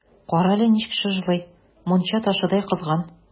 Кара әле, ничек чыжлый, мунча ташыдай кызган!